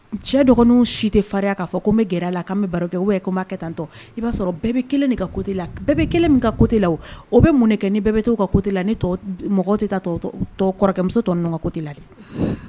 Cɛ dɔgɔninw si tɛ fariya ka fɔ ko n bɛ gɛrɛ la ka fɔ kan bɛ baro kɛ oubien ko n ba kɛ tantɔ i b'a sɔrɔ bɛɛ bɛ kelen ka côté la bɛɛ bɛ kelen min ka coté la o bɛ mun kɛ ni bɛɛ bɛ to ka côté la mɔgɔw tɛ taa kɔrɔkɛmuso tɔw ka côté la de